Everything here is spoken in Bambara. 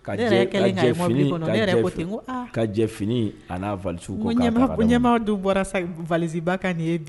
Ka ka jɛn fin a n'a valises ba kɔ, ne yɛrɛ kɛlen k'a ye mbili coffre kɔnɔ, ne yɛrɛ ko ten n ko ɲɛma dɔ bɔra sa valise ba kan nin ye